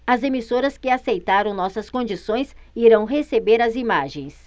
as emissoras que aceitaram nossas condições irão receber as imagens